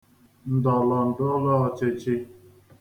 ndọlọndọlọ̄ọ̄chịchị